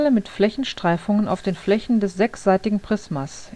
mit Flächenstreifung auf den Flächen des sechsseitigen Prismas